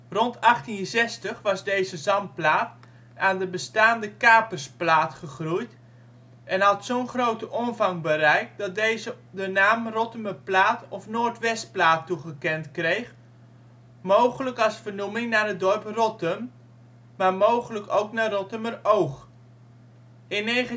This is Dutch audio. Rond 1860 was deze zandplaat aan de bestaande Kapersplaat (Kaapplaat) gegroeid en had zo 'n grote omvang bereikt dat deze de naam Rottumerplaat of Noordwestplaat toegekend kreeg, mogelijk als vernoeming naar het dorp Rottum, maar mogelijk ook naar Rottumeroog. In 1950